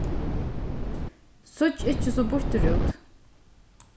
síggj ikki so býttur út